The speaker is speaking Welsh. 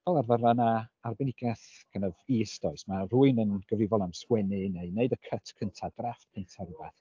Fel arfer ma' 'na arbenigedd kind of is does, ma' rywun yn gyfrifol am sgwennu neu neud y cut cyntaf drafft cyntaf o rywbeth.